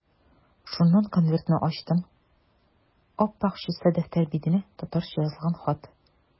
Шуннан конвертны ачтым, ап-ак чиста дәфтәр битенә татарча язылган хат.